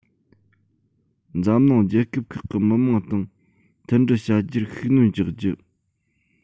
འཛམ གླིང རྒྱལ ཁབ ཁག གི མི དམངས དང མཐུན སྒྲིལ བྱ རྒྱུར ཤུགས སྣོན རྒྱག རྒྱུ